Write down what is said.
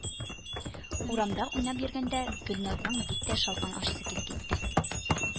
Урамда уйнап йөргәндә Гөльназның бик тә шалкан ашыйсы килеп китте